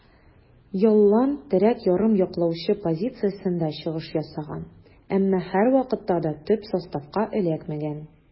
Ялланн терәк ярым яклаучы позициясендә чыгыш ясаган, әмма һәрвакытта да төп составка эләкмәгән.